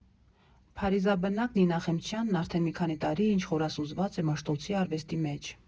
Փարիզաբնակ Նինա Խեմչյանն արդեն մի քանի տարի է, ինչ խորասուզված է Մաշտոցի արվեստի մեջ։